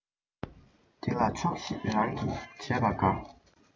འདི ལ ཆོག ཤེས རང གིས བྱས པ དགའ